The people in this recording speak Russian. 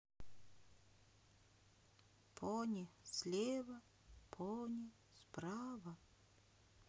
пони слева пони справа